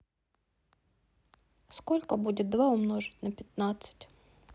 сколько будет два умножить на пятнадцать